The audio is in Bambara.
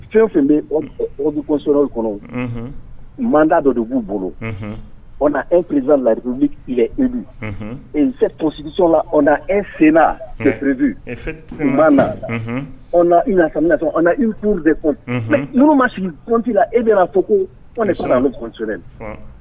Fɛn fɛn bɛ obiɔnsow kɔnɔ man dɔ de b'u bolo o e p layiridu i bisiso la o e sen ma na ka sɔn i kun de kun n ma sigi kuntila e bɛna' fɔ koso